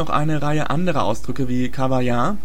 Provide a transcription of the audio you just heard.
eine Reihe anderer Ausdrücke, wie Kawaya